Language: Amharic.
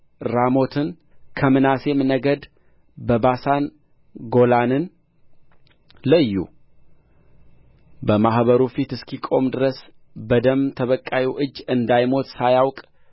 ራሞትን ከምናሴም ነገድ በባሳን ጎላንን ለዩ በማኅበሩ ፊት እስኪቆም ድረስ በደም ተበቃዩ እጅ እንዳይሞት ሳያውቅ